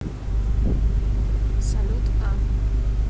salute а